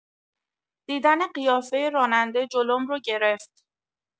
دیدن قیافه راننده جلوم رو گرفت.